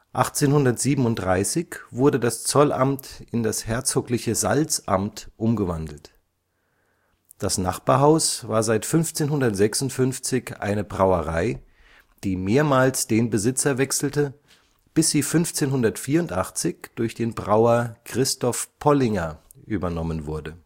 1837 wurde das Zollamt in das herzogliche Salzamt umgewandelt. Das Nachbarhaus war seit 1556 eine Brauerei, die mehrmals den Besitzer wechselte, bis sie 1584 durch den Brauer Christoph Pollinger übernommen wurde